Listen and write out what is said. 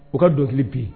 U ka dɔnkili bi